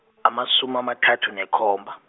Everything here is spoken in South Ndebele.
amasumi amathathu nekhomba.